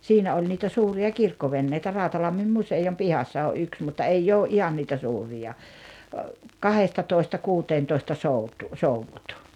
siinä oli niitä suuria kirkkoveneitä Rautalammin museon pihassa oli yksi mutta ei ole ihan niitä suuria kahdestatoista kuuteentoista - soudut